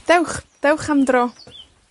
Dewch, dewch am dro.